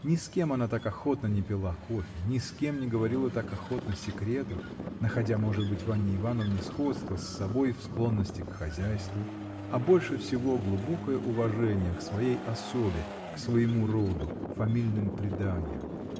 Ни с кем она так охотно не пила кофе, ни с кем не говорила так охотно секретов, находя, может быть, в Анне Ивановне сходство с собой в склонности к хозяйству, а больше всего глубокое уважение к своей особе, к своему роду, фамильным преданиям.